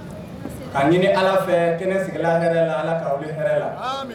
Ka ɲini ala fɛ t ne sigila la ala k' hɛrɛɛ la